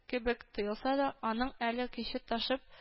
Кебек тоелса да, аның әле көче ташып